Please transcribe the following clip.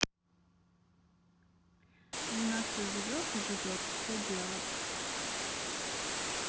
жена все живет и живет все делать